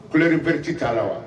Kulɛ ni bereriti t'a la wa